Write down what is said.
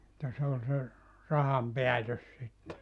mutta se oli se rahan päätös sitten